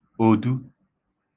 òdu